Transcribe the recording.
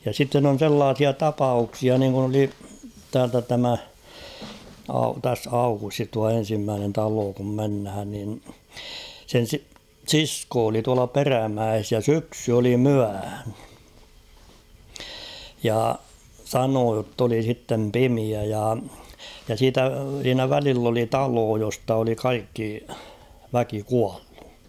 ja sitten on sellaisia tapauksia niin kuin oli täältä tämä - tässä Aukustissa tuo ensimmäinen talo kun mennään niin sen - sisko oli tuolla Perämäessä ja syksy oli myöhä ja sanoi jotta oli sitten pimeä ja ja siitä siinä välillä oli talo josta oli kaikki väki kuollut